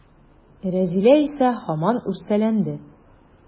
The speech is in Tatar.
Рәзилә исә һаман үрсәләнде.